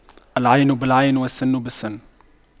العين بالعين والسن بالسن